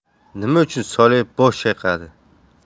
nima uchun soliev bosh chayqadi